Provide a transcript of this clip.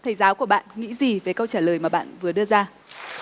thầy giáo của bạn nghĩ gì về câu trả lời mà bạn vừa đưa ra